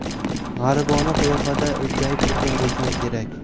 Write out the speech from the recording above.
g'aribona qiyofada iljayib turgan bo'lsam kerak